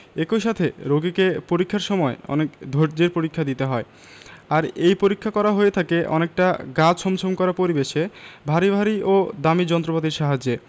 একই সাথে রোগীকে পরীক্ষার সময় অনেক ধৈর্য্যের পরীক্ষা দিতে হয় আর এই পরীক্ষা করা হয়ে থাকে অনেকটা গা ছমছম করা পরিবেশে ভারী ভারী ও দামি যন্ত্রপাতির সাহায্যে